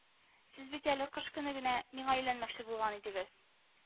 - сез бит әле кыш көне генв миңа өйләнмәкче булган идегез